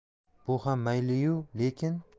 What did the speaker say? bu ham mayliyu lekin